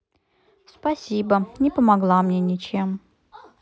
спасибо не помогла мне ничем